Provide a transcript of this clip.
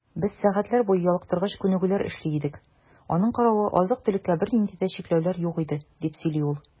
Без сәгатьләр буе ялыктыргыч күнегүләр эшли идек, аның каравы, азык-төлеккә бернинди дә чикләүләр юк иде, - дип сөйли ул.